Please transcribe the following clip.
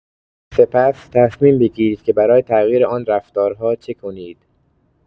سپس، تصمیم بگیرید که برای تغییر آن رفتارها چه کنید.